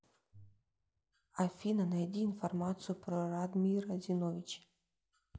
афина найди информацию про радмира зиновича